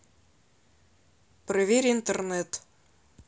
проверь интернет